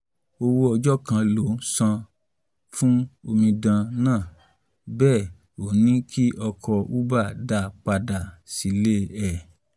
Owó ọjọ́ kan ló san an fún omidan náà, Bẹ́ẹ̀ ‘ó ní kí ọkọ̀ Uber da pádà sílé ẹ̀.